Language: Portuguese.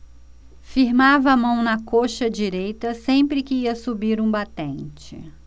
firmava a mão na coxa direita sempre que ia subir um batente